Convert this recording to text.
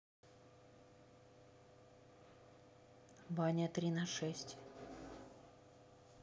баня три на шесть